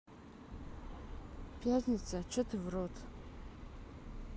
пятница че ты в рот